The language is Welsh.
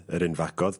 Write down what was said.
...yr un fagodd...